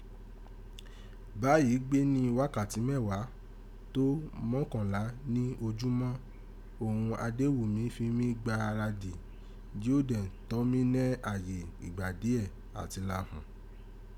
báyìí gbé ni wakati mẹwa tó mọkanla ni ojúmá òghun Adewumi fi mí gba ara dì jí ó dẹ̀n tọ́n mí nẹ́ àyè igba diẹ ati la hùn.